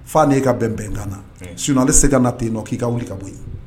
F'a ne ka bɛn bɛnkan na, unhun sinon a tɛ se ka na ten k'i ka wuli ka bɔ